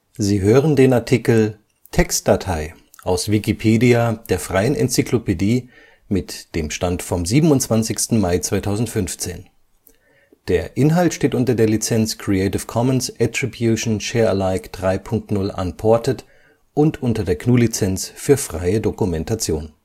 Sie hören den Artikel Textdatei, aus Wikipedia, der freien Enzyklopädie. Mit dem Stand vom Der Inhalt steht unter der Lizenz Creative Commons Attribution Share Alike 3 Punkt 0 Unported und unter der GNU Lizenz für freie Dokumentation